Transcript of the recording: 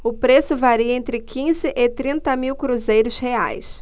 o preço varia entre quinze e trinta mil cruzeiros reais